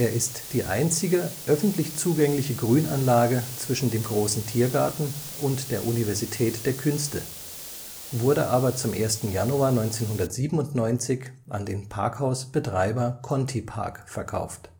ist die einzige öffentlich zugängliche Grünanlage zwischen dem Großen Tiergarten und der Universität der Künste, wurde aber zum 1. Januar 1997 an den Parkhaus-Betreiber Contipark verkauft